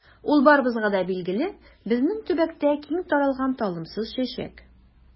Ул барыбызга да билгеле, безнең төбәктә киң таралган талымсыз чәчәк.